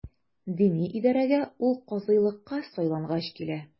Дини идарәгә ул казыйлыкка сайлангач килә.